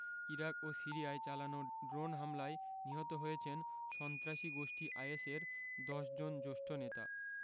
Iraq ও সিরিয়ায় চালানো ড্রোন হামলায় নিহত হয়েছেন সন্ত্রাসী গোষ্ঠী আইএসের ১০ জন জ্যেষ্ঠ নেতা